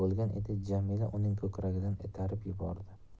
jamila uning ko'kragidan itarib yubordi